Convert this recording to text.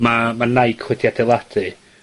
Ma', ma' Nike wedi adeiladu.